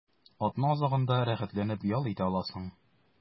Атна азагында рәхәтләнеп ял итә аласың.